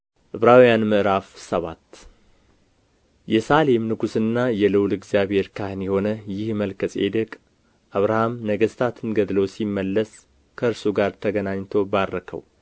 ዕብራውያን ምዕራፍ ሰባት የሳሌም ንጉሥና የልዑል እግዚአብሔር ካህን የሆነ ይህ መልከ ጼዴቅ አብርሃም ነገሥታትን ገድሎ ሲመለስ ከእርሱ ጋር ተገናኝቶ ባረከው